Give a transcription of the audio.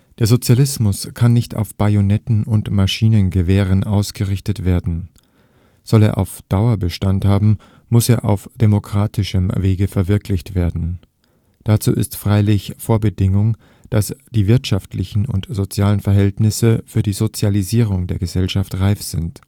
Der Sozialismus kann nicht auf Bajonetten und Maschinengewehren aufgerichtet werden. Soll er auf Dauer Bestand haben, muß er auf demokratischem Wege verwirklicht werden. Dazu ist freilich Vorbedingung, daß die wirtschaftlichen und sozialen Verhältnisse für die Sozialisierung der Gesellschaft reif sind